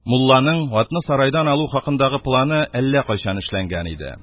Мулланың атны сарайдан алу хакындагы планы әллә кайчан эшләнгән иде.